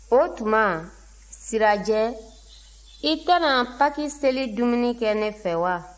o tuma sirajɛ i tɛna pakiseli dumuni kɛ ne fɛ wa